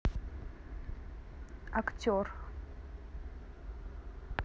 актер